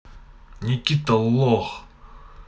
никита лох